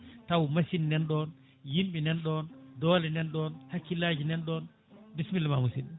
taw machine nanɗon yimɓe nanɗon doole nanɗon hakkillaji nanɗon bisimilla ma musidɗo